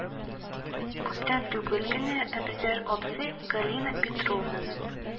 Күптән түгел генә Әбүзәр абзый Галина Петровнаны